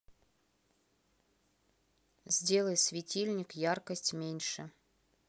сделай светильник яркость меньше